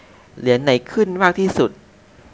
เหรียญไหนขึ้นมากที่สุด